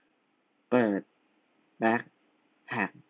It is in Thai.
เปิดแบคแพ็ค